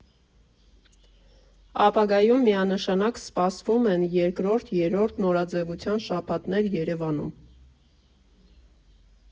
Ապաագայում միանշանակ սպասվում են երկրորդ, երրորդ նորաձևության շաբաթներ Երևանում։